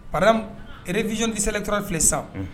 Pame rezzontislɛtɔ filɛ san